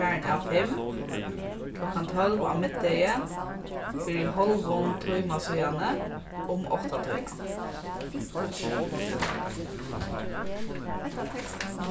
farin av fimm klokkan tólv á middegi fyri hálvum tíma síðani um áttatíðina